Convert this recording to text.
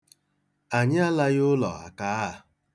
Anyị alaghị ụlọ akaaa.